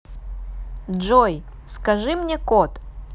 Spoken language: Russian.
джой скажи мне код